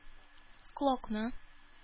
Колакны